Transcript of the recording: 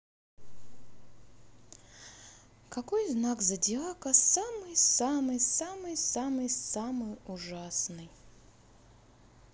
какой знак зодиака самый самый самый самый самый ужасный